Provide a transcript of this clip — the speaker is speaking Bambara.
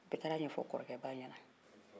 u taara ɲɛfɔ kɔrɔkɛ ba ɲɛnan